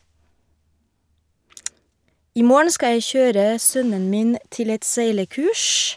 I morgen skal jeg kjøre sønnen min til et seilekurs.